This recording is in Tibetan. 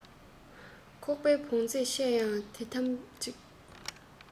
ཁོག པའི བོངས ཚད ཆེ ཡང དེ ཐམས ཅད